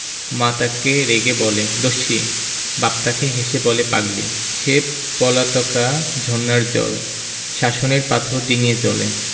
মা তাকে রেগে বলে দস্যি বাপ তাকে হেসে বলে পাগলি সে পলাতকা ঝরনার জল শাসনের পাথর ডিঙ্গিয়ে চলে